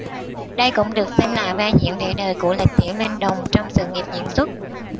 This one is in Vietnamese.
đây cũng được xem là vai diễn để đời của lục tiểu linh đồng trong sự nghiệp diễn xuất